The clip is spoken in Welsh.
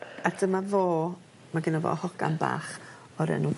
A dyma fo ma' genno fo hogan bach o'r enw...